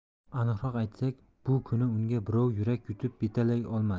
aniqroq aytsak bu kuni unga birov yurak yutib betlay olmasdi